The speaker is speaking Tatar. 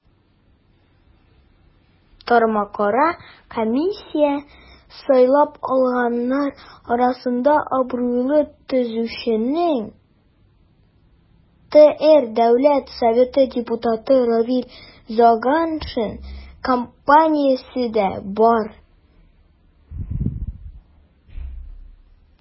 Тармакара комиссия сайлап алганнар арасында абруйлы төзүченең, ТР Дәүләт Советы депутаты Равил Зиганшин компаниясе дә бар.